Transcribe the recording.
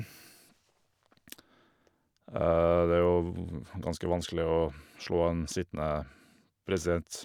Det er jo ganske vanskelig å slå en sittende president.